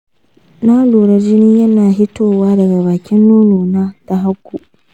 na lura jini yana fitowa daga bakin nono na ta hagu.